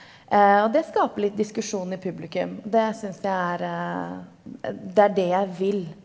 og det skaper litt diskusjon i publikum, og det syns jeg er det er det jeg vil.